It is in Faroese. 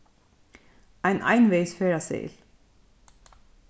ein einvegis ferðaseðil